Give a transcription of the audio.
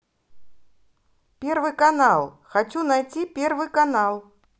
первый канал хочу найти первый канал